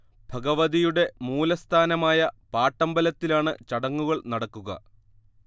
ഭഗവതിയുടെ മൂലസ്ഥാനമായ പാട്ടമ്പലത്തിലാണ് ചടങ്ങുകൾ നടക്കുക